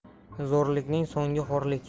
zo'rlikning so'nggi xo'rlik